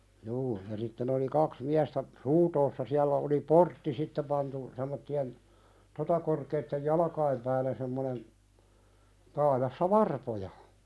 juu ja sitten oli kaksi miestä runtoossa siellä oli portti sitten pantu semmoisten tuota korkeiden jalkain päällä semmoinen taajassa varpoja